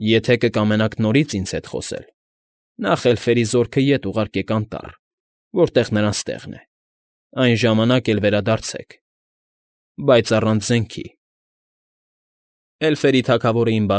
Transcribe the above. Եթե կկամենաք նորից ինձ հետ խոսել, նախ էլֆերի զորքը ետ ուղարկեք անտառ, որտեղ նրանց տեղն է, այն ժամանակ էլ վերադարձեք, բայց առանց զենքի… ֊ Էլֆերի թագավորը իմ։